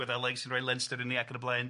Wyddeleg sy'n rhoi lensyr i ni ac yn y blaen.